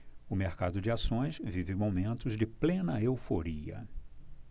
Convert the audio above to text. o mercado de ações vive momentos de plena euforia